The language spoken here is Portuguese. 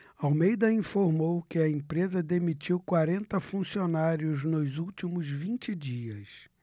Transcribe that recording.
almeida informou que a empresa demitiu quarenta funcionários nos últimos vinte dias